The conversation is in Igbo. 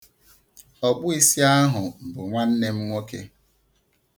Ọkpụisi ahụ bụ nwanne m nwoke.